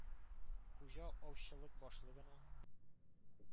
Хуҗа аучылык башлыгына: